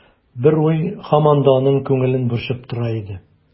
Бер уй һаман да аның күңелен борчып тора иде.